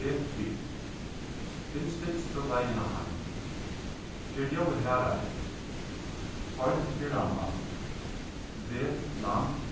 vel bygd finn stytstu leiðina heim ger ljóðið harðari goym ferðamál vel land